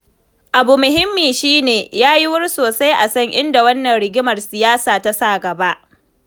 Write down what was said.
Abu muhimmi shi ne, ya yi wuri sosai a san inda wannan rigimar siyasa ta sa gaba.